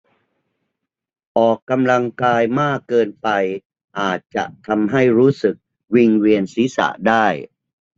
ออกกำลังกายมากเกินไปอาจจะทำให้รู้สึกวิงเวียนศีรษะได้